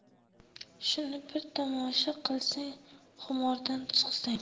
shuni bi ir tomosha qilsang xumordan chiqsang